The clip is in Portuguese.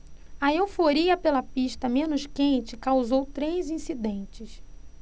a euforia pela pista menos quente causou três incidentes